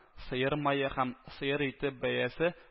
Сыер мае һәм сыер ите бәясе